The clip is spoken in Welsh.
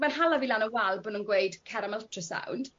ma'n hala fi lan y wal bo' nw'n gweud cer am ultrasound